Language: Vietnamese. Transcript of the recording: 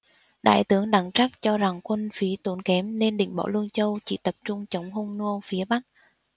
đại tướng đặng trắc cho rằng quân phí tốn kém nên định bỏ lương châu chỉ tập trung chống hung nô phía bắc